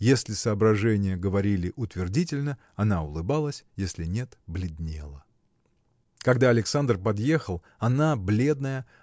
Если соображения говорили утвердительно она улыбалась если нет – бледнела. Когда Александр подъехал она бледная